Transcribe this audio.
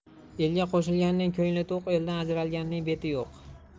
elga qo'shilganning ko'ngli to'q eldan ajralganning beti yo'q